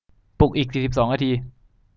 ปลุกอีกสี่สิบสองนาที